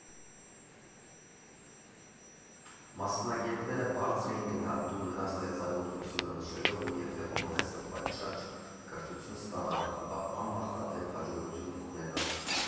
Մասնագետները բարձր էին գնահատում նրա ստեղծագործությունը՝ նշելով, որ եթե Հովհաննեսը պատշաճ կրթություն ստանար, ապա աննախադեպ հաջողություն կունենար։